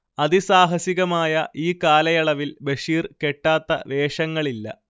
അതിസാഹസികമായ ഈ കാലയളവിൽ ബഷീർ കെട്ടാത്ത വേഷങ്ങളില്ല